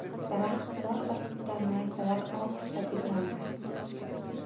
daraxtzor ostida maysalar ohista tebranar